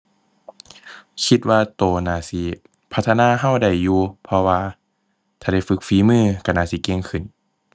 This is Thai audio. คิดว่าตัวน่าสิพัฒนาตัวได้อยู่ เพราะว่าถ้าได้ฝึกฝีมือตัวน่าสิเก่งขึ้น